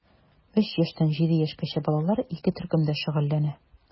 3 тән 7 яшькәчә балалар ике төркемдә шөгыльләнә.